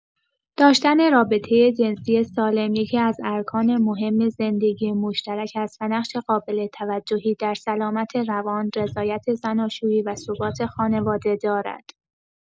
داشتن رابطه جنسی سالم یکی‌از ارکان مهم زندگی مشترک است و نقش قابل توجهی در سلامت روان، رضایت زناشویی و ثبات خانواده دارد.